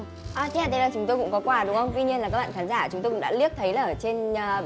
à thế là chúng tôi cũng có quà đúng không tuy nhiên là các bạn khán giả chúng tôi đã liếc thấy là ở trên